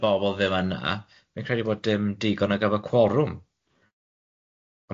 y bobol ddim yna, fi'n credu bod dim digon ar gyfer cworwm.